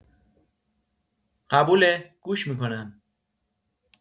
قبوله گوش می‌کنم.